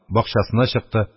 Бакчасына чыкты